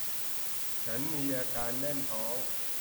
ฉันมีอาการแน่นท้อง